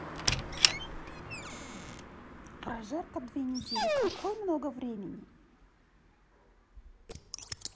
прожарка две недели какой много времени